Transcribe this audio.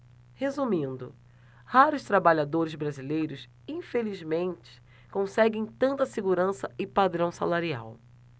resumindo raros trabalhadores brasileiros infelizmente conseguem tanta segurança e padrão salarial